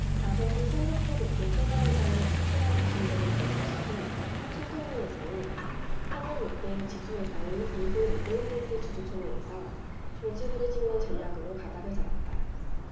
아버지 신격호 롯데 총괄회장이 축출한 가신들을 결집시킨 신동빈 회장이 한 일 롯데의 지주회사인 일본 롯데홀딩스 주주총회에서 종지부를 찍는 전략으로 가닥을 잡았다